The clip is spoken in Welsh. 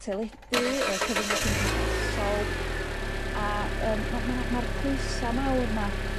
teledu y cyfrynga' cymdeithasol a yrm ma' ma' 'na ma''r pwysa mawr 'ma.